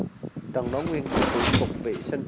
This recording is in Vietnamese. trần đáng nguyên cục trưởng cục vệ sinh